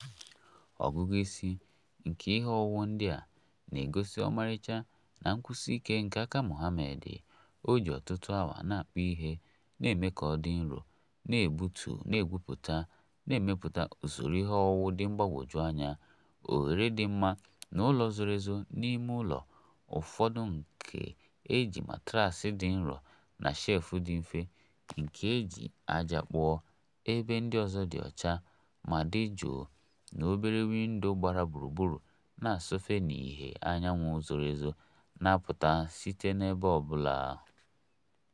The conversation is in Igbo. Ọgụgụ isi nke ihe owuwu ndị a na-egosi ọmarịcha na nkwụsi ike nke aka Mohammed - o ji ọtụtụ awa na-akpụ ihe, na-eme ka ọ dị nro, na-egbutu, na-egwupụta, na-emepụta usoro ihe owuwu dị mgbagwoju anya, oghere dị mma na ụlọ zoro ezo n'ime ụlọ, ụfọdụ nke e ji matarasị dị nro na shelf dị mfe nke e ji ájá kpụọ, ebe ndị ọzọ dị ọcha ma dị jụụ na obere windo gbara gburugburu na-asọfe na ìhè anyanwụ zoro ezo na-apụta site na ebe ọ bụla.